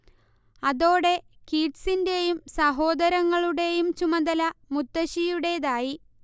അതോടെ കീറ്റ്സിന്റേയും സഹോദരങ്ങളുടേയും ചുമതല മുത്തശ്ശിയുടേതായി